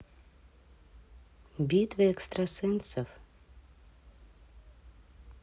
битвы экстрасенсов